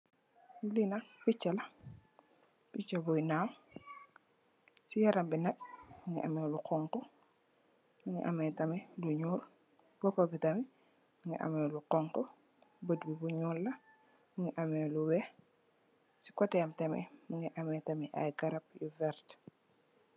Lii nak picca la, picca buy ñaw, ci yaram bi nak, mu ngi am lu xoñxa, mu ngi amee tamit lu ñuul, boppam bi tam, mu ngi am lu xoñxu, bët yi, ñu ngi am lu weex, si kotteem tam mu amee ay garab yu werta.